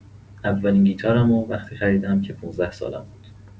اولین گیتارمو وقتی خریدم که ۱۵ سالم بود.